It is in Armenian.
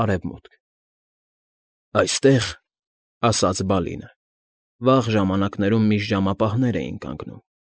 Արևմուտք։ ֊ Այստեղ,֊ ասաց Բալինը,֊ վաղ ժամանակներում միշտ ժամապահներ էին կանգնում։